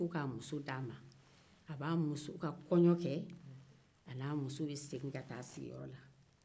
ko k'a muso di a ma a b'a muso ka kɔɲɔ ke a n'a muso bɛ segin ka taa sigiyɔrɔ la